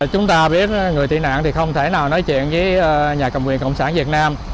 chúng ta biết người tị nạn thì không thể nào nói chuyện dới nhà cầm quyền cộng sản việt nam